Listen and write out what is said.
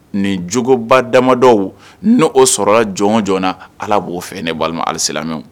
Nin juguba damadɔ ni oo sɔrɔla jɔn joona ala b'o fɛ ne walima ali